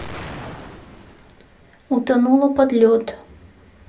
утонула под лед